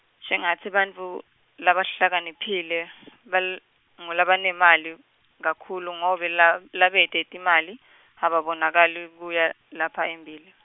shengatsi bantfu, labahlakaniphile, bal-, ngulabanemali, kakhulu ngobe, la- labete timali, ababonakali, kuya, lapha embili.